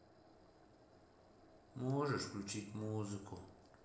можешь включить музыку